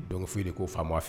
Don ffi de ko faama fɛ